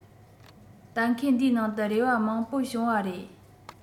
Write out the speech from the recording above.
གཏན འཁེལ འདིའི ནང དུ རེ བ མང པོ བྱུང བ རེད